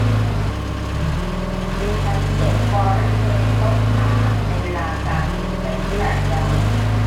ฉันเจ็บบริเวณต้นขาในเวลากลางดึกเป็นประจำ